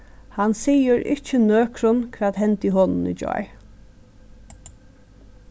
hann sigur ikki nøkrum hvat hendi honum í gjár